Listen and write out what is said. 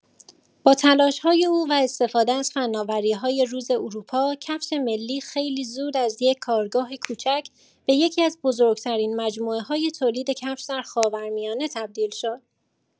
با تلاش‌های او و استفاده از فناوری‌های روز اروپا، کفش ملی خیلی زود از یک کارگاه کوچک به یکی‌از بزرگ‌ترین مجموعه‌های تولید کفش در خاورمیانه تبدیل شد.